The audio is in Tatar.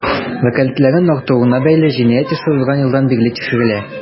Вәкаләтләрен арттыруына бәйле җинаять эше узган елдан бирле тикшерелә.